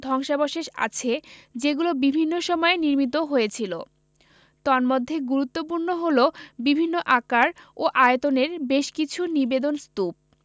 ধ্বংসাবশেষ আছে যেগুলো বিভিন্ন সময়ে নির্মিত হয়েছিল তন্মধ্যে গুরুত্বপূর্ণ হলো বিভিন্ন আকার ও আয়তনের বেশ কিছু নিবেদন স্তূপ